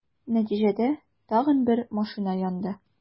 Нәтиҗәдә, тагын бер машина янды.